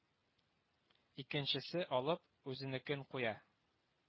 Икенчесе алып, үзенекен куя